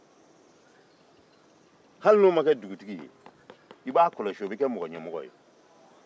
hali n'o ma kɛ dugutigi ye i b'a kɔlɔsi o bɛ mɔgɔɲɛmɔgɔ ye